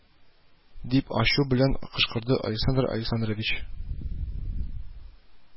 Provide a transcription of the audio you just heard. Дип ачу белән кычкырды александр александрович